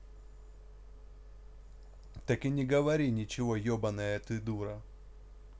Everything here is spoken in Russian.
так и не говори ничего ебаная эта дура